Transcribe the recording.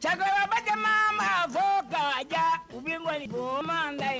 Cɛkɔrɔba camaan b'a fɔɔ k'a jaa u b'i wɔri boo man day